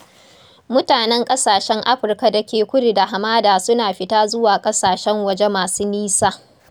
Mutanen ƙasashen Afirka da ke kudu da hamada su na fita zuwa ƙasashen waje masu nisa.